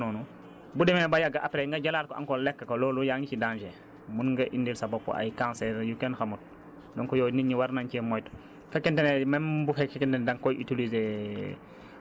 waaye nag boo jëlee posone yooyu noonu nga dencee ko kii boobu noonu bu demee ba yàgg après nga jëlaat encore lekk ko loolu yaa ngi ci danger mën nga indil sa bopp ay Cancer ak yu kenn xamul donc yooyu nit ñi war nañ cee moytu